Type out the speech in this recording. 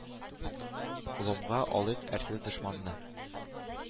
Ломга алыйк әрсез «дошман »ны.